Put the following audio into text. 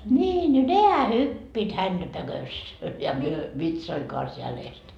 niin no nehän hyppivät häntä pökössä ja me vitsojen kanssa jäljestä